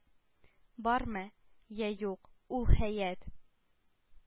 Бармы? Йә юк... ул хәят?